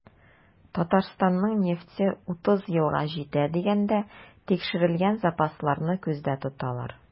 Татарстанның нефте 30 елга җитә дигәндә, тикшерелгән запасларны күздә тоталар.